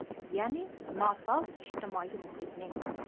yani nosog ijtimoiy muhitning